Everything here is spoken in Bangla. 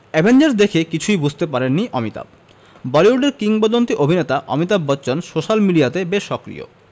অ্যাভেঞ্জার্স দেখে কিছুই বুঝতে পারেননি অমিতাভ বলিউডের কিংবদন্তী অভিনেতা অমিতাভ বচ্চন সোশ্যাল মিডিয়াতে বেশ সক্রিয়